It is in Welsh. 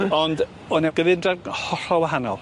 Ond, o' 'ne gyfundrefn hollol wahanol.